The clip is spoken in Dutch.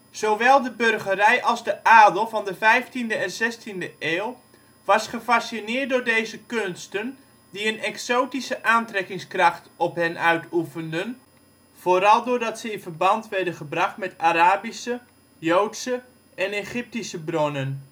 Zowel de burgerij als de adel van de 15e en 16e eeuw was gefascineerd door deze kunsten die een exotische aantrekkingskracht op hen uitoefenden, vooral doordat ze in verband werden gebracht met Arabische, Joodse en Egyptische bronnen